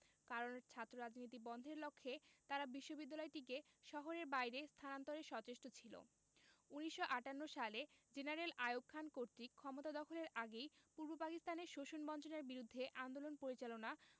কারণ ছাত্ররাজনীতি বন্ধের লক্ষ্যে তারা বিশ্ববিদ্যালয়টিকে শহরের বাইরে স্থানান্তরে সচেষ্ট ছিল ১৯৫৮ সালে জেনারেল আইয়ুব খান কর্তৃক ক্ষমতা দখলের আগেই পূর্ব পাকিস্তানে শোষণ বঞ্চনার বিরুদ্ধে আন্দোলন পরিচালনা